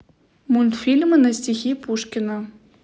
мультфильмы на стихи пушкина